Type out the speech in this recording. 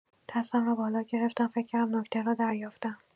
دستم را بالا گرفتم، فکر کردم نکته را دریافته‌ام.